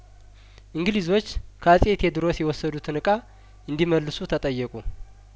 እንግሊዞች ከአጼ ቴድሮስ የወሰዱትን እቃ እንዲ መልሱ ተጠየቁ